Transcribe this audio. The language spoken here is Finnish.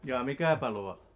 jaa mikä palaa